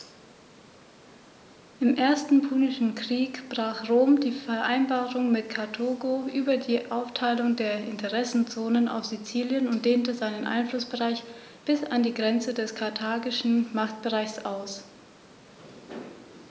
Im Ersten Punischen Krieg brach Rom die Vereinbarung mit Karthago über die Aufteilung der Interessenzonen auf Sizilien und dehnte seinen Einflussbereich bis an die Grenze des karthagischen Machtbereichs aus.